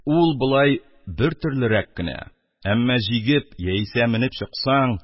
Ул болай бер төрлерәк кенә, әмма җигеп, яисә менеп чыксаң,